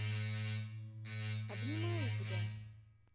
обнимаю тебя